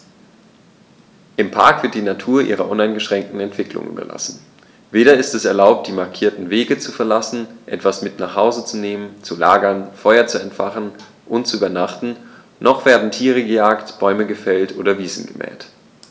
Im Park wird die Natur ihrer uneingeschränkten Entwicklung überlassen; weder ist es erlaubt, die markierten Wege zu verlassen, etwas mit nach Hause zu nehmen, zu lagern, Feuer zu entfachen und zu übernachten, noch werden Tiere gejagt, Bäume gefällt oder Wiesen gemäht.